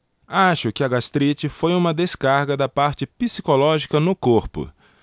acho que a gastrite foi uma descarga da parte psicológica no corpo